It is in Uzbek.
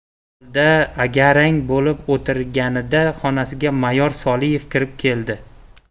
shu holda garang bo'lib o'tirganida xonasiga mayor soliev kirib keldi